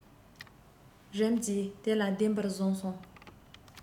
རིམ གྱིས དེ ལ བདེན པར བཟུང སོང